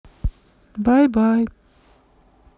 бай бай